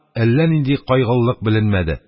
Әллә нинди кайгылылык беленмәде.